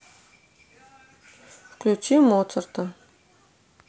включи моцарта